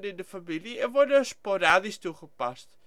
de familie en worden sporadisch toegepast